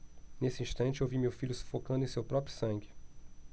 nesse instante ouvi meu filho sufocando em seu próprio sangue